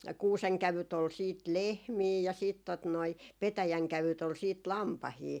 kuusenkävyt oli sitten lehmiä ja sitten tuota noin petäjänkävyt oli sitten lampaita